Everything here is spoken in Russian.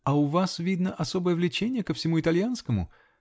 -- А у вас, видно, особое влечение ко всему итальянскому?